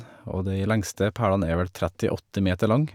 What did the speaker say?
Og de lengste pælene er vel trettiåtte meter lang.